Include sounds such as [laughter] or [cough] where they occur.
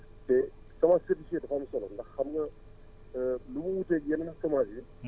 te semence certifiée dafa am solo ndax xam nga [hesitation] li mu wuteeg yeneen semences yi